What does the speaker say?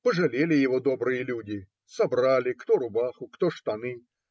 Пожалели его добрые люди: собрали кто рубаху, кто штаны